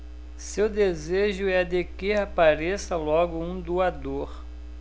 seu desejo é de que apareça logo um doador